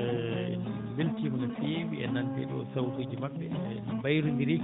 eeyi mi weltiima no feewi e nande ɗo sawtoji maɓɓe taw en mbayronndiri